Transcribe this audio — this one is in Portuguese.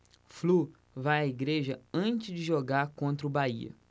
flu vai à igreja antes de jogar contra o bahia